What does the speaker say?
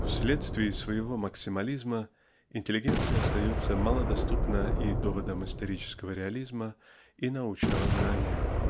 Вследствие своего максимализма интеллигенция остается малодоступна и доводам исторического реализма и научного знания.